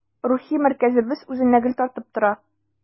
Рухи мәркәзебез үзенә гел тартып тора.